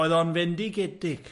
Oedd o'n fendigedig.